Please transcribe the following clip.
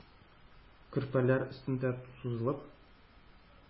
Көрпәләр өстендә сузылып,